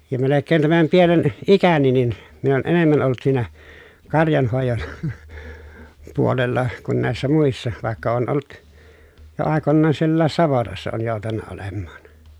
ja melkein tämän pienen ikäni niin minä olen enemmän ollut siinä karjanhoidon puolella kuin näissä muissa vaikka olen ollut jo aikoinaan sielläkin savotassa olen joutunut olemaan